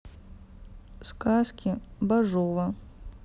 сказки бажова